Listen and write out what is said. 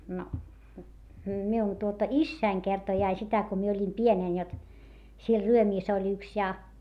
no minun tuota isäni kertoi aina sitä kun minä olin pienenä jotta siellä Ryömissä oli yksi ja